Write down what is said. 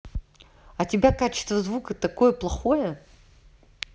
а тебя качество звука такое плохое